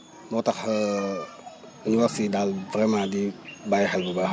moo tax ñu war si daal vraiment di bàyyi xel baax a